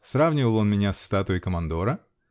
Сравнивал он меня с статуей командора?